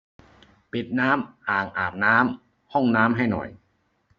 ปิดน้ำอ่างอาบน้ำห้องน้ำให้หน่อย